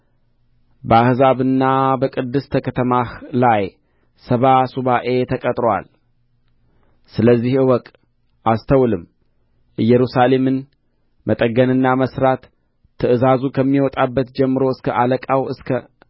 በሕዝብህና በቅድስት ከተማህ ላይ ሰባ ሱባዔ ተቀጥሮአል ስለዚህ እወቅ አስተውልም ኢየሩሳሌምን መጠገንና መሥራት ትእዛዙ ከሚወጣበት ጀምሮ እስከ አለቃው እስከ